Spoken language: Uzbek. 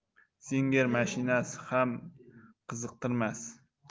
zinger mashinasi ham qiziqtirmas